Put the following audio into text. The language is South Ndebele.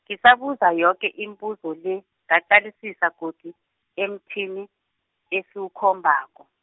ngisabuza yoke imibuzo le, ngaqalisisa godu, emthini, esiwukhombako.